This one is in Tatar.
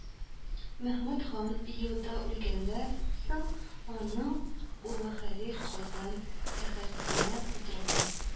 Мәхмүд хан елда үлгәннән соң аның улы Хәлил Казан тәхетенә утырган